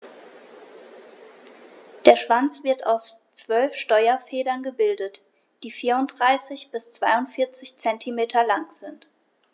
Der Schwanz wird aus 12 Steuerfedern gebildet, die 34 bis 42 cm lang sind.